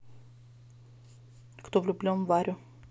кто влюблен в варю